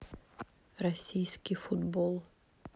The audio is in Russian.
российский футбол